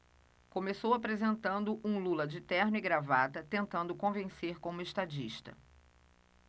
começou apresentando um lula de terno e gravata tentando convencer como estadista